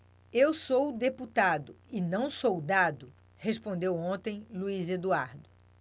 eu sou deputado e não soldado respondeu ontem luís eduardo